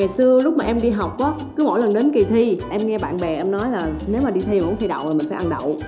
ngày xưa lúc mà em đi học ớ cứ mỗi lần đến kì thi em nghe bạn bè em nói là nếu mà đi thi mà hông thi đậu là mình phải ăn đậu